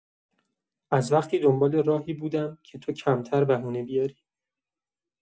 از وقتی دنبال راهی بودم که تو کمتر بهونه بیاری.